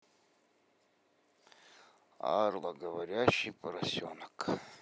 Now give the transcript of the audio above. арло говорящий поросенок